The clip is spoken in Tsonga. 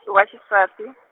e wa xisati.